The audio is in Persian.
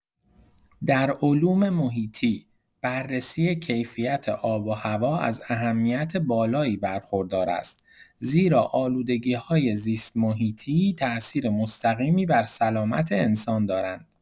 در علوم محیطی، بررسی کیفیت آب و هوا از اهمیت بالایی برخوردار است، زیرا آلودگی‌های زیست‌محیطی تاثیر مستقیمی بر سلامت انسان دارند.